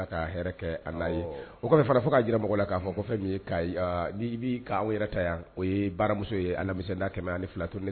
O ye baramuso ye kɛmɛ ye